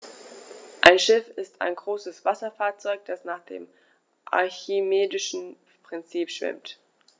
Ein Schiff ist ein größeres Wasserfahrzeug, das nach dem archimedischen Prinzip schwimmt.